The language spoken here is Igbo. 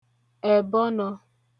ẹ̀bọnọ̄